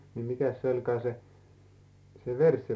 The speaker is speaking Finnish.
niin mikäs se olikaan se se versseli